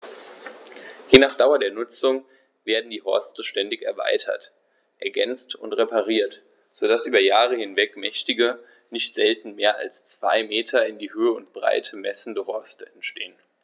Je nach Dauer der Nutzung werden die Horste ständig erweitert, ergänzt und repariert, so dass über Jahre hinweg mächtige, nicht selten mehr als zwei Meter in Höhe und Breite messende Horste entstehen.